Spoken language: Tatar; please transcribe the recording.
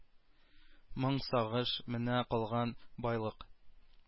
Моң сагыш менә калган байлык